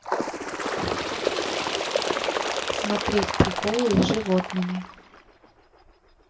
смотреть приколы с животными